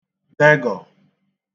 dẹgọ̀